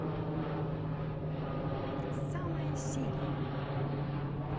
самая сильная